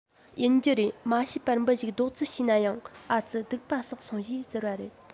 ཡིན གྱི རེད མ ཤེས པར འབུ ཞིག རྡོག རྫིས བྱས ན ཡང ཨ ཙི སྡིག པ བསགས སོང ཞེས ཟེར བ རེད